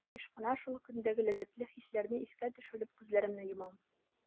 Еш кына шул көндәге ләззәтле хисләрне искә төшереп, күзләремне йомам.